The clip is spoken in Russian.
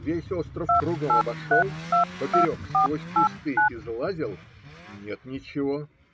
Весь остров кругом обошел; поперек сквозь кусты излазил - нет ничего.